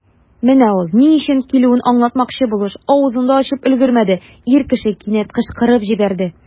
Менә ул, ни өчен килүен аңлатмакчы булыш, авызын да ачып өлгермәде, ир кеше кинәт кычкырып җибәрде.